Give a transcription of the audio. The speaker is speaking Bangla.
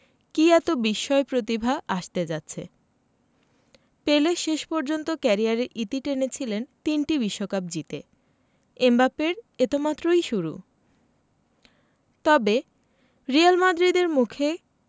কী এত বিস্ময় প্রতিভা আসতে যাচ্ছে পেলে শেষ পর্যন্ত ক্যারিয়ারের ইতি টেনেছিলেন তিনটি বিশ্বকাপ জিতে এমবাপ্পের এ তো মাত্রই শুরু তবে রিয়াল মাদ্রিদের মুখে